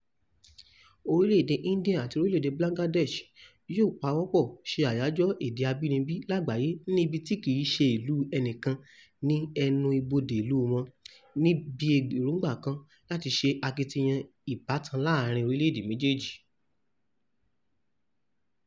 Orílẹ̀-èdè India àti orílẹ̀-èdè Bangladesh yóò pawọ́pọ̀ ṣe àyájọ́ Ọjọ́ Èdè Abínibí Lágbàáyé ní ibi tí kìí se ìlú ẹnìkan ní ẹnu ibodè ìlú wọn, níbi èróńgbà kan láti ṣe akitiyan ìbátan láàárín orílẹ̀ méjèèjì.